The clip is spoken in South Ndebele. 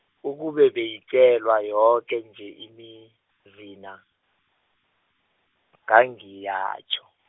ukube beyetjelwa yoke nje imizana, ngangiyatjho.